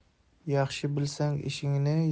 yaxshi bilsang ishingni